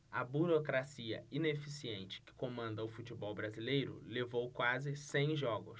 a burocracia ineficiente que comanda o futebol brasileiro levou quase cem jogos